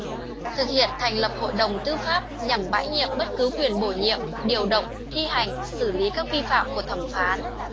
thực hiện thành lập hội đồng tư pháp nhằm bãi nhiệm bất cứ quyền bổ nhiệm điều động thi hành xử lý các vi phạm của thẩm phán